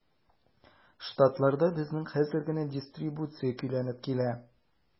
Штатларда безнең хәзер генә дистрибуция көйләнеп килә.